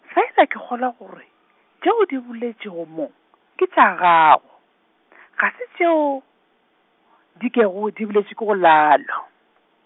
fela ke kgolwa gore, tšeo o di boletšego mo, ke tša gago , ga se tšeo, di kego di boletšwego ko Goblalo .